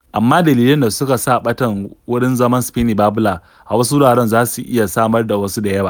Amma dalilan da suke sa ɓata wurin zaman Spiny Babbler a wasu wuraren za su iya samar da wasu da yawa.